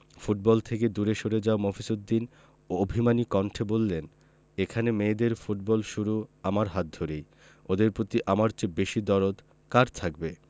football থেকে দূরে সরে যাওয়া মফিজ উদ্দিন অভিমানী কণ্ঠে বললেন এখানে মেয়েদের ফুটবল শুরু আমার হাত ধরেই ওদের প্রতি আমার চেয়ে বেশি দরদ কার থাকবে